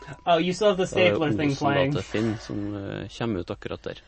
Da er det osen, da, til Tinn, som kjem ut akkurat der.